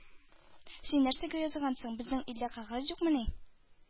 — син нәрсәгә язгансың! безнең илдә кәгазь юкмыни? —